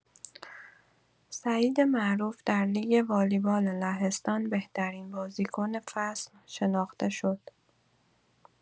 سعید معروف در لیگ والیبال لهستان بهترین بازیکن فصل شناخته شد.